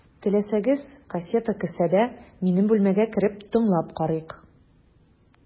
Теләсәгез, кассета кесәдә, минем бүлмәгә кереп, тыңлап карыйк.